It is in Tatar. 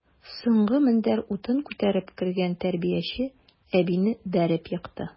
Соңгы мендәр утын күтәреп кергән тәрбияче әбине бәреп екты.